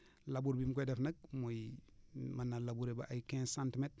labour bi mu koy def nag mooy mën naa labourer ba ay quinze centimètres